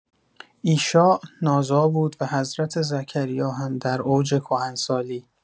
ایشاع نازا بود و حضرت زکریا هم در اوج کهنسالی